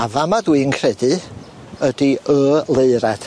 A fa'ma' dwi'n credu ydi y leurad.